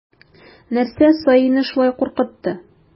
Нәрсә саине шулай куркытты?